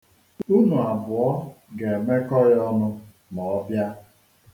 Unu abụọ ga-emekọ ya ọnụ ma ọ bịa.